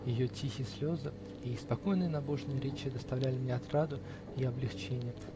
ее тихие слезы и спокойные набожные речи доставляли мне отраду и облегчение.